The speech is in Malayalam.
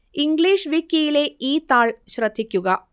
ഇംഗ്ലീഷ് വിക്കിയിലെ ഈ താൾ ശ്രദ്ധിക്കുക